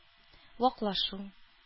Ваклашу